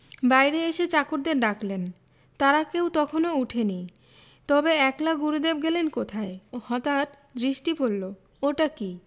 বাইরে এসে চাকরদের ডাকলেন তারা কেউ তখনও ওঠেনি তবে একলা গুরুদেব গেলেন কোথায় হঠাৎ দৃষ্টি পড়ল ওটা কি